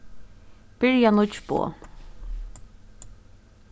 byrja nýggj boð